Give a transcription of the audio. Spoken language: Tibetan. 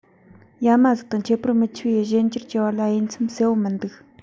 ཡ མ གཟུགས དང ཁྱད པར མི ཆེ བའི གཞན འགྱུར གྱི བར ལ དབྱེ མཚམས གསལ པོ མི འདུག